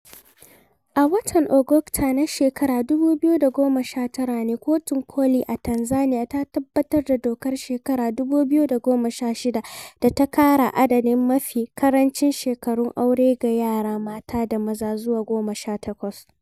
A watan Oktoba na shekarar 2019 ne, kotun ƙoli a Tanzaniya ta tabbatar da dokar shekarar 2016 da ta ƙara adadin mafi ƙarancin shekarun aure ga yara mata da maza zuwa 18.